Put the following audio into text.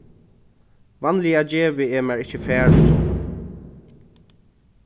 vanliga gevi eg mær ikki far um sovorðið